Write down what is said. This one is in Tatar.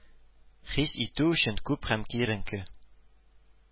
Хис итү өчен күп һәм киеренке